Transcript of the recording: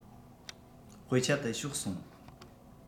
དཔེ ཆ དེ ཕྱོགས སོང